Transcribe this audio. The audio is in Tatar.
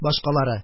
Башкалары: